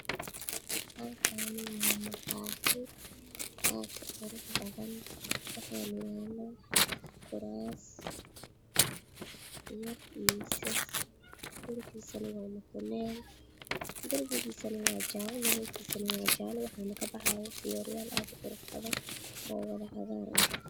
Halkaan waa maqaaxi ad kuraasman miisas shulkiisa waa mutuleel waxa ka abaxayo fiyoora aad u qurxan cagaar